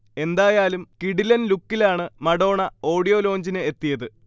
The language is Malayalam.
എന്തായാലും കിടിലൻ ലുക്കിലാണ് മഡോണ ഓഡിയോ ലോഞ്ചിന് എത്തിയത്